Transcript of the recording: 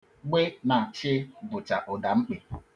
'gb' na 'ch' bụcha ụdamkpị.